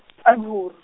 a Nyoro.